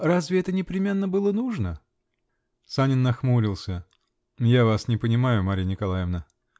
разве это непременно было нужно? Санин нахмурился. -- Я вас не понимаю. Марья Николаевна.